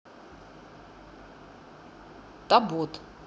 тобот